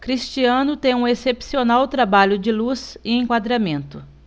cristiano tem um excepcional trabalho de luz e enquadramento